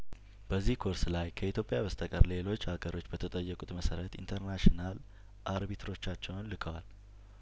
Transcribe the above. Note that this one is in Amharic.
በዚህ ኮርስ ላይ ከኢትዮጵያ በስተቀር ሌሎች ሀገሮች በተጠየቁት መሰረት ኢንተርናሽናል አርቢትሮቻቸውን ልከዋል